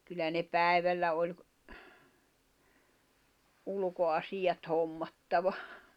kyllä ne päivällä oli - ulkoasiat hommattava